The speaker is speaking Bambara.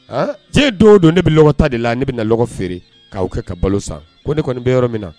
A diɲɛ don o don ne bɛ lɔgɔ taa de la ne bɛna na dɔgɔ feere k'o kɛ ka balo san, ko ne kɔni bɛ yɔrɔ min na.